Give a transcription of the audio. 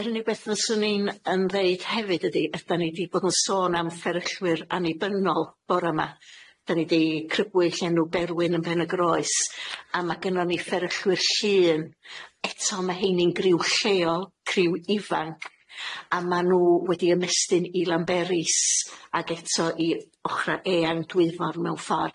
Yr unig beth fyswn i'n yn ddeud hefyd ydi dyn ni 'di bod yn sôn am fferyllwyr annibynnol bora 'ma , da ni 'di crybwyll enw Berwyn yn Pen y Groes, a ma' gynnon ni fferyllwyr llun eto ma' rheini'n griw lleol, criw ifanc a ma' nw wedi ymestyn i Lanberis ag eto i ochra eang Dwyfor mewn ffor'.